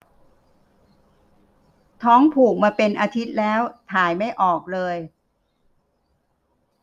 ท้องผูกมาเป็นอาทิตย์แล้วถ่ายไม่ออกเลย